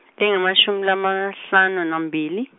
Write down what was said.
tingemashumi lamahlanu, nambili.